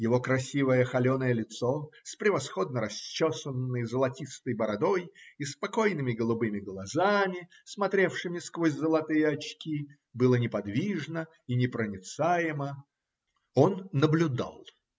Его красивое холеное лицо с превосходно расчесанной золотистой бородой и спокойными голубыми глазами, смотревшими сквозь золотые очки, было неподвижно и непроницаемо. Он наблюдал.